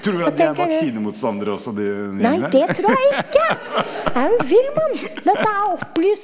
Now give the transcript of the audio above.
tror du at de er vaksinemotstander også de ?